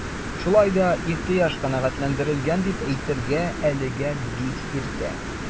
Шулай да ихтыяҗ канәгатьләндерелгән дип әйтергә әлегә бик иртә.